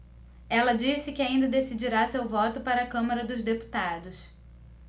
ela disse que ainda decidirá seu voto para a câmara dos deputados